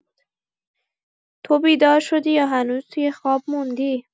تو بیدار شدی یا هنوز توی خواب موندی؟